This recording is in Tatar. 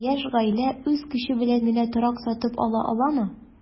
Яшь гаилә үз көче белән генә торак сатып ала аламы?